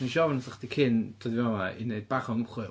Wnes i ofyn wrtha chdi cyn dod i fa'ma i wneud bach o ymchwil.